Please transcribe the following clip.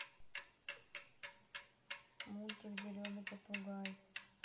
мультик зеленый попугай